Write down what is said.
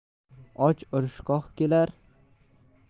och urishqoq kelar